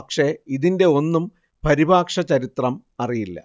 പക്ഷെ ഇതിന്റെ ഒന്നും പരിഭാഷ ചരിത്രം അറിയില്ല